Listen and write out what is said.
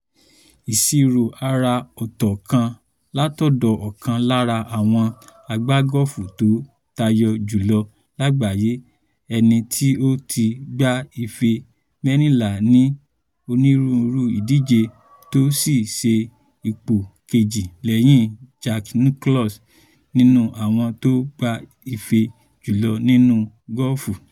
Ìṣirò àrà ọ̀tọ̀ kan látọ̀dọ̀ ọ̀kan lára àwọn agbágọ́ọ̀fù tó tayọ jùlọ lágbàáyé, ẹni tí ó ti gba ife 14 ní onírúurú ìdíje; tó sì ṣe ipò kejì lẹ́yìn Jack Nicklaus nínú àwọn tó ń gba ife jùlọ nínú gọ́ọ̀fù.